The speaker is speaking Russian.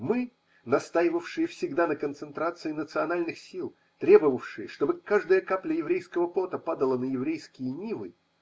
Мы, настаивавшие всегда на концентрации национальных сил, требовавшие, чтобы каждая капля еврейского пота падала на еврейские нивы.